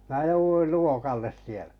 minä jouduin luokalle siellä